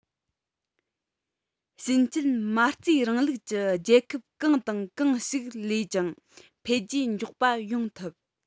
ཕྱིན ཆད མ རྩའི རིང ལུགས ཀྱི རྒྱལ ཁབ གང དང གང ཞིག ལས ཀྱང འཕེལ རྒྱས མགྱོགས པ ཡོང ཐུབ